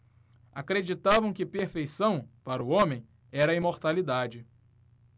acreditavam que perfeição para o homem era a imortalidade